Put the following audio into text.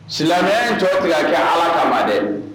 Silamɛ in tɔtigɛya kɛ ala ka ma dɛ